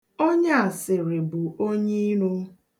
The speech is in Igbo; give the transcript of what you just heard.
Onyeasịrị bụ onye iro.